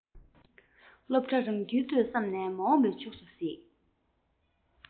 སློབ གྲྭ རང ཁྱིམ དུ བསམ ནས མ འོངས པའི ཕྱོགས སུ གཟིགས